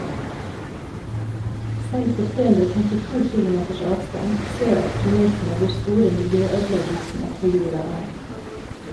Selv på trehundreogfemtito kilometers avstand ser astronautene hvor store miljøødeleggelsene på jorda er.